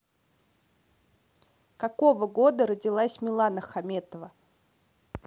какого года родилась милана хаметова